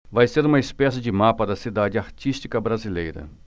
vai ser uma espécie de mapa da cidade artística brasileira